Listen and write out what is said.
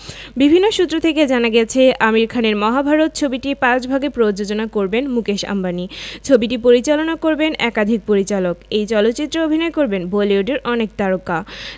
বিভিন্ন সূত্র থেকে জানা গেছে আমির খানের মহাভারত ছবিটি পাঁচ ভাগে প্রযোজনা করবেন মুকেশ আম্বানি ছবিটি পরিচালনা করবেন একাধিক পরিচালক এই চলচ্চিত্রে অভিনয় করবেন বলিউডের অনেক তারকা